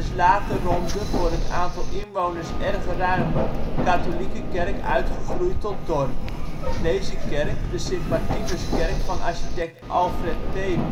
later rond de (voor het aantal inwoners erg ruime) katholieke kerk uitgegroeid tot dorp. Deze kerk, de St. Martinuskerk van architect Alfred Tepe uit 1890